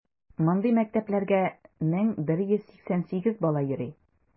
Мондый мәктәпләргә 1188 бала йөри.